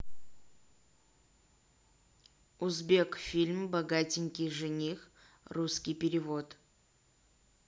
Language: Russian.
узбек фильм богатенький жених русский перевод